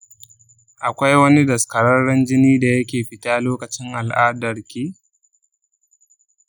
akwai wani daskararren jini da yake fita lokacin al'adarki?